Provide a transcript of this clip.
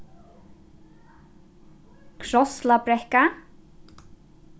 krosslabrekka